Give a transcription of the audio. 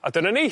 A dyna ni.